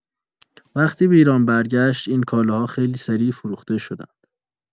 وقتی به ایران برگشت، این کالاها خیلی سریع فروخته شدند.